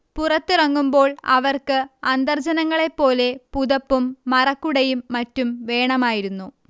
പുറത്തിറങ്ങുമ്പോൾ അവർക്ക് അന്തർജനങ്ങളെപ്പോലെ പുതപ്പും മറക്കുടയും മറ്റും വേണമായിരുന്നു